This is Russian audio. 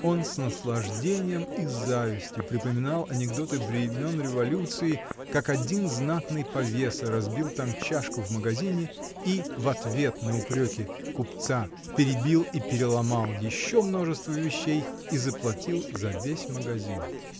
Он с наслаждением и завистью припоминал анекдоты времен революции, как один знатный повеса разбил там чашку в магазине и в ответ на упреки купца перебил и переломал еще множество вещей и заплатил за весь магазин